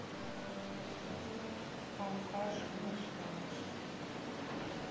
алкаш обосрался